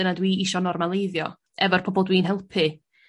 dyna dw i isio normaleiddio efo'r pobol dwi'n helpu.